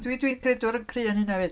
Dwi dwi dwi'n un cry yn hynna hefyd.